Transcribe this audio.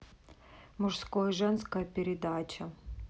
мужское женское передача